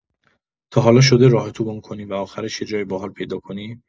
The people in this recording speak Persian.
تا حالا شده راهتو گم کنی و آخرش یه جای باحال پیدا کنی؟